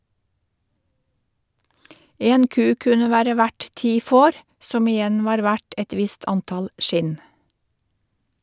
En ku kunne være verd ti får, som igjen var verdt et visst antall skinn.